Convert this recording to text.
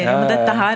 ja ja ja.